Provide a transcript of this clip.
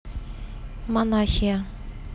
монахия